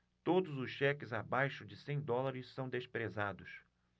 todos os cheques abaixo de cem dólares são desprezados